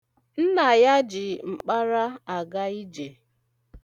Nna ya ji mkpara aga ije.